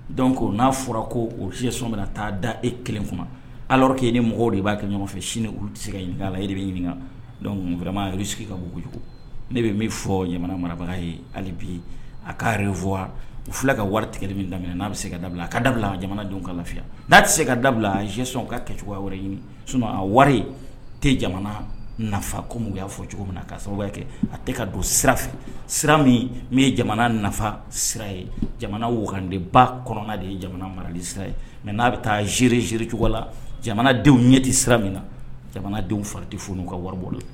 Dɔnku ko n'a fɔra ko olu si sɔn bɛ taa da e kelen kuma alake ye ni mɔgɔw de b'a kɛ ɲɔgɔn nɔfɛ sini olu tɛ se ka ɲininka la bɛ ɲininka wɛrɛma sigi ka kojugu ne bɛ min fɔ marabaga ye hali bi a ka yɛrɛ fɔwa u fila ka wari tigɛ min daminɛ n' bɛ se ka da a ka dabila a jamana don ka lafiya n'a tɛ se ka dabila a ka kɛ cogoya wɛrɛ ɲini wari tɛ jamana nafa kɔmi u y'a fɔcogo min na'a sababu kɛ a tɛ ka don sirafɛ sira min min ye jamana nafa sira ye jamana w deba kɔnɔna de ye jamana marali sira ye mɛ n'a bɛ taa ziiri ziricogo la jamanadenw ɲɛ tɛ sira min na jamanadenw fari tɛ f n'u ka wari bɔra la